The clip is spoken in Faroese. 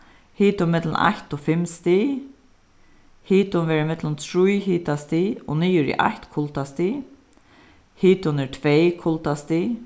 hitin millum eitt og fimm stig hitin verður millum trý hitastig og niður í eitt kuldastig hitin er tvey kuldastig